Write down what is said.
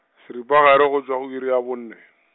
seripagare go tšwa go iri ya bonne.